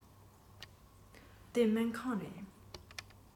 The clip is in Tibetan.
དེ སྨན ཁང རེད